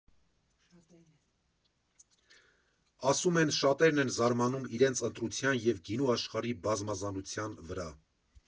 Ասում են՝ շատերն են զարմանում իրենց ընտրության և գինու աշխարհի բազմազանության վրա։